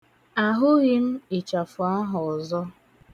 Ahụghị m ịchafụ ahụ ọzọ.